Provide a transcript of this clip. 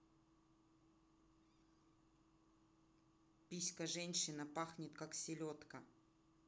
писька женщина пахнет как селедка